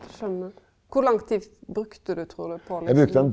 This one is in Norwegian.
skjønner, kor lang tid brukte du trur du på liksom?